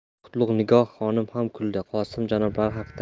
endi qutlug' nigor xonim ham kuldi qosimbek janoblari haqdir